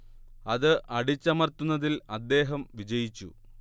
അത് അടിച്ചമർത്തുന്നതിൽ അദ്ദേഹം വിജയിച്ചു